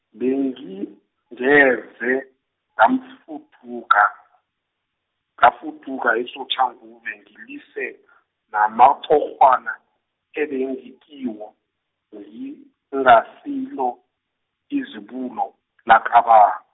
bengingeze ngamfuduka, ngafuduka eSoshanguve ngilise namatorhwana, ebengikiwo ngingasilo, izibulo lakaba-.